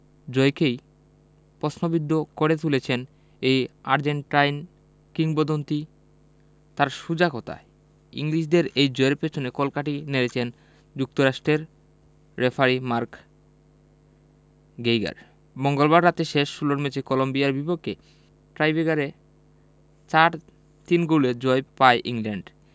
জয়কেই পশ্নবিদ্ধ করে তুলেছেন এই আর্জেন্টাইন কিংবদন্তি তাঁর সোজা কথা ইংলিশদের এই জয়ের পেছনে কলকাঠি নেড়েছেন যুক্তরাষ্টের রেফারি মার্ক গেইগার মঙ্গলবার রাতে শেষ ষোলোর ম্যাচে কলম্বিয়ার বিপক্ষে টাইবেকারে ৪ ৩ গোলে জয় পায় ইংল্যান্ড